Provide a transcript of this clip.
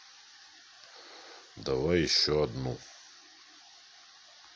давай еще одну